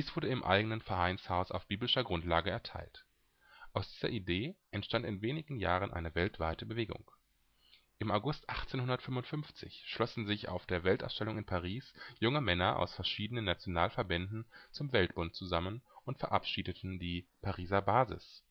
wurde im eigenen Vereinshaus auf biblischer Grundlage erteilt. Aus dieser Idee entstand in wenigen Jahren eine weltweite Bewegung. Im August 1855 schlossen sich auf der Weltausstellung in Paris junge Männer aus verschiedenen Nationalverbänden zum Weltbund zusammen und verabschiedeten die Pariser Basis